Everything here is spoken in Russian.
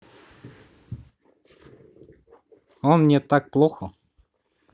он мне так плохо